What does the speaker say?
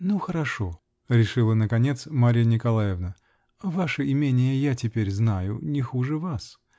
-- Ну, хорошо!-- решила наконец Марья Николаевна. -- Ваше имение я теперь знаю. не хуже вас.